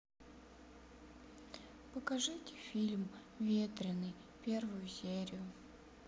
покажите фильм ветреный первую серию